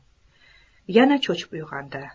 yana cho'chib uyg'ondi